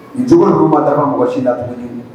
Nin jogo ninnu ma dafa mɔgɔ si la tuguni